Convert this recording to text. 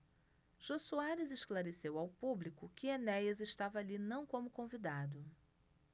jô soares esclareceu ao público que enéas estava ali não como convidado